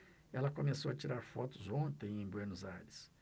ela começou a tirar fotos ontem em buenos aires